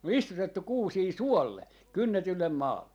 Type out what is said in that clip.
on istutettu kuusia suolle kynnetylle maalle